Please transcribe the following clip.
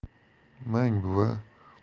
mang buva